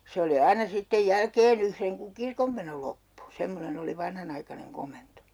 se oli aina sitten jälkeen yhden kun kirkonmeno loppui semmoinen oli vanhanaikainen komento